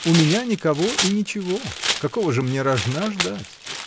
У меня — никого и ничего: какого же мне рожна ждать.